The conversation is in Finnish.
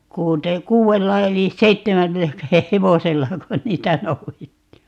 - kuudella eli seitsemälläköhän hevosellako niitä noudettiin